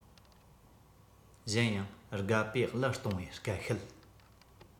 གཞན ཡང དགའ པོའི གླུ གཏོང བའི སྐད ཤེད